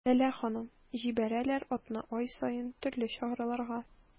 Ләлә ханым: җибәрәләр атна-ай саен төрле чараларга.